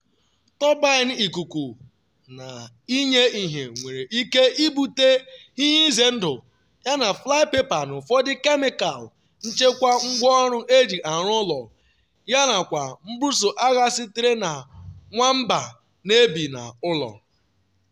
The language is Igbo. Turbine Ikuku na inye ihie nwere ike ibute ihe ize ndụ, yana flypaper na ụfọdụ kemikal nchekwa ngwaọrụ eji arụ ụlọ, yana kwa mbuso agha sitere na nwamba na-ebi n’ụlọ.